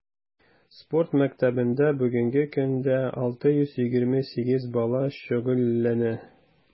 Спорт мәктәбендә бүгенге көндә 628 бала шөгыльләнә.